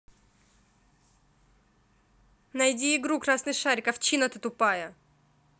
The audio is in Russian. найди игру красный шарик овчина ты тупая